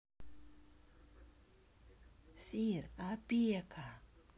sir опека